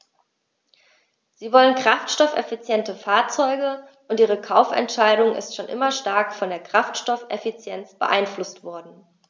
Sie wollen kraftstoffeffiziente Fahrzeuge, und ihre Kaufentscheidung ist schon immer stark von der Kraftstoffeffizienz beeinflusst worden.